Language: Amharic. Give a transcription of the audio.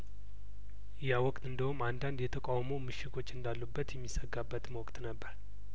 ያወቅት እንደውም አንዳንድ የተቃውሞ ምሽጐች እንዳሉበት የሚሰጋበትም ወቅት ነበር